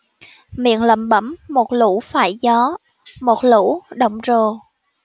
miệng lẩm bẩm một lũ phải gió một lũ động rồ